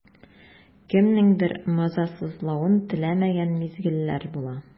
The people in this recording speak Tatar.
Кемнеңдер мазасызлавын теләмәгән мизгелләр була.